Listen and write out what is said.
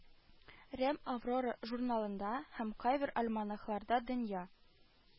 Рем «аврора» журналында һәм кайбер альманахларда дөнья